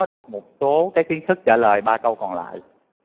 được một số cái kiến thức trả lời ba câu còn lại